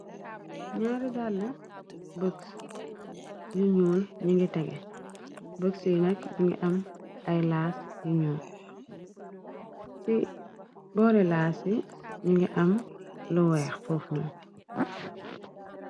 Naari dàlla boks yu ñuul ñi ngi tege boxs yi nek bi ngi am ay laas yiñu ci boore laas yi ñu ngi am lu weex foofnol.